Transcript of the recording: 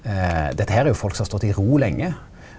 dette her er jo folk som har stått i ro lenge.